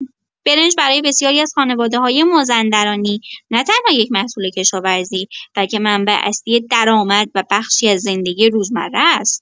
برنج برای بسیاری از خانواده‌های مازندرانی نه‌تنها یک محصول کشاورزی، بلکه منبع اصلی درآمد و بخشی از زندگی روزمره است.